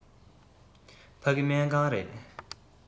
ཕ གི སྨན ཁང རེད